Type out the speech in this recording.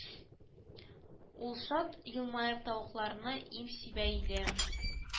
Ул шат елмаеп тавыкларына им сибә иде